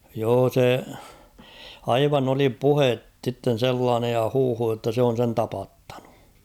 joo se aivan oli puhetta sitten sellainen ja huhu jotta se on sen tapattanut